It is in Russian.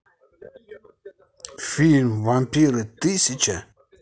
фильм вампиры тысяча